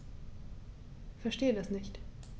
Verstehe das nicht.